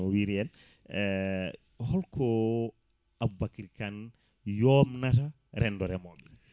no o wiiri en holko Aboubacry Kane yomnata rendo reemoɓeɓe